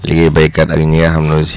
liggéey béykat ak ñi nga xam ne aussi